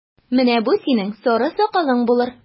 Менә бу синең сары сакалың булыр!